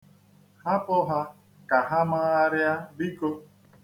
Hapụ ha ka ha magharịa biko.